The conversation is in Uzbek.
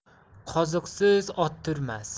qoziqsiz ot turmas